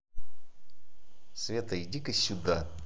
света иди ка сюда